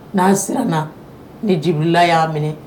N'a siranna ni Jibirila y'a minɛ